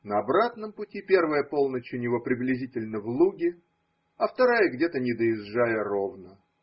на обратном пути первая полночь у него приблизительно в Луге, а вторая где-то не доезжая Ровно.